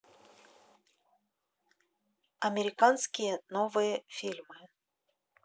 американские новые фильмы